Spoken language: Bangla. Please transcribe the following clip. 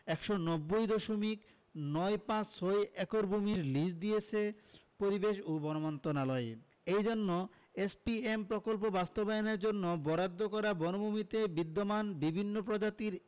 ১৯০ দশমিক নয় পাঁচ ছয় একর ভূমি লিজ দিয়েছে পরিবেশ ও বন মন্ত্রণালয় এজন্য এসপিএম প্রকল্প বাস্তবায়নের জন্য বরাদ্দ করা বনভূমিতে বিদ্যমান বিভিন্ন প্রজাতির